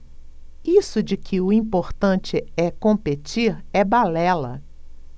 isso de que o importante é competir é balela